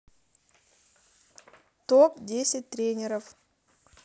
топ десять тренеров